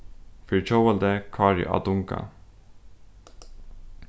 fyri tjóðveldið kári á dunga